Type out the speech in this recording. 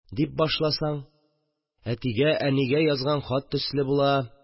Дип башласаң, әтигә, әнигә язган хат төсле була